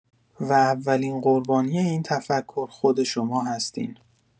و اولین قربانی این تفکر، خود شما هستین.